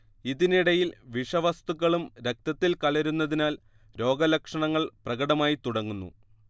ഇതിനിടയിൽ വിഷവസ്തുക്കളും രക്തത്തിൽ കലരുന്നതിനാൽ രോഗലക്ഷണങ്ങൾ പ്രകടമായിത്തുടങ്ങുന്നു